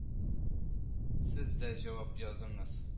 Сез дә җавап языңыз